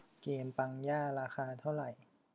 เกมปังย่าราคาเท่าไหร่